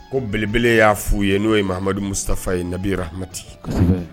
Ko belebele ya fu ye no ye Mamadu Musafa ye nabi rahamati.